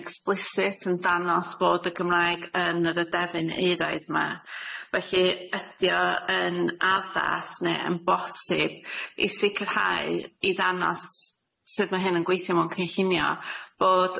explicit yn danos bod y Gymraeg yn yr adefyn euraidd ma felly ydi o yn addas neu yn bosib i sicirhau i ddanos sud ma' hyn yn gweithio mewn cynllunio bod